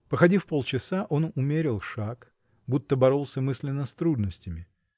Походив полчаса, он умерил шаг, будто боролся мысленно с трудностями.